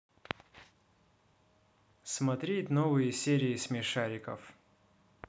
смотреть новые серии смешариков